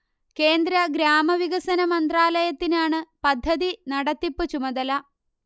കേന്ദ്ര ഗ്രാമവികസന മന്ത്രാലയത്തിനാണ് പദ്ധതി നടത്തിപ്പ് ചുമതല